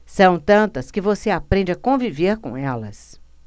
são tantas que você aprende a conviver com elas